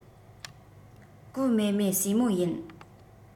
ཀུའོ མའེ མའེ སྲས མོ ཡིན